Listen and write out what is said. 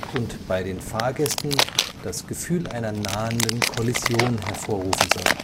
und bei den Fahrgästen das Gefühl einer nahenden Kollision hervorrufen soll